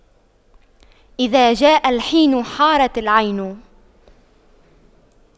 إذا جاء الحين حارت العين